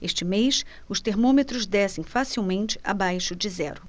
este mês os termômetros descem facilmente abaixo de zero